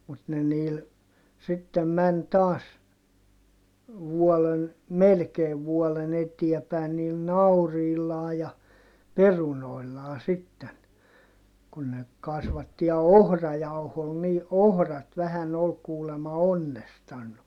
mutta ne niillä sitten meni taas vuoden melkein vuoden eteen päin niillä nauriilla ja perunoilla sitten kun ne kasvatti ja ohrajauhoa niin ohrat vähän oli kuulemma onnestanut